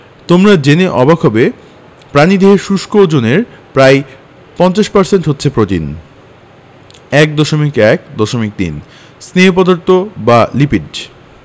তোমরা জেনে অবাক হবে প্রাণীদেহের শুষ্ক ওজনের প্রায় ৫০% হচ্ছে প্রোটিন ১.১.৩ স্নেহ পদার্থ বা লিপিড